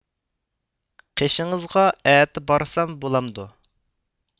قېشىڭىزغا ئەتە بارسام بولامدۇ